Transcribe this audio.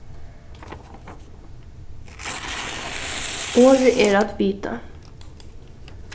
orðið er at vita